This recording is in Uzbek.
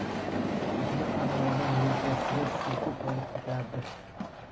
qopni aravadan yelkasiga silkib olib ketardi